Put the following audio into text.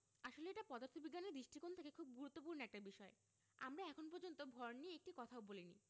আসলে এটা পদার্থবিজ্ঞানের দৃষ্টিকোণ থেকে খুব গুরুত্বপূর্ণ একটা বিষয় আমরা এখন পর্যন্ত ভর নিয়ে একটি কথাও বলিনি